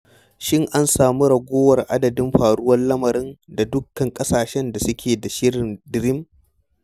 Shin an samu raguwar adadin faruwar lamarin a dukkanin ƙasashen da suke da shirin DREAM?